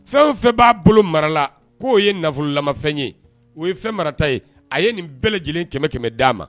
Fɛn o fɛn b'a bolo mara la k'o ye nafololamafɛn ye o ye fɛn marata ye a ye nin bɛɛ lajɛlen kɛmɛ kɛmɛ d'a ma